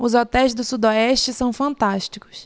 os hotéis do sudoeste são fantásticos